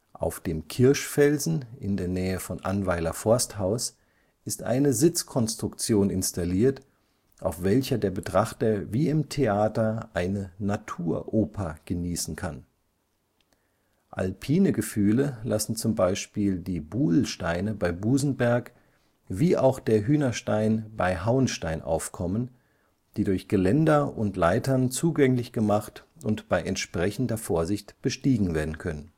Auf dem Kirschfelsen (Nähe Annweiler Forsthaus) ist eine Sitzkonstruktion installiert, auf welcher der Betrachter wie im Theater eine „ Naturoper “genießen kann. Alpine Gefühle lassen z. B. die Buhlsteine bei Busenberg wie auch der Hühnerstein bei Hauenstein aufkommen, die durch Geländer und Leitern zugänglich gemacht und bei entsprechender Vorsicht bestiegen werden können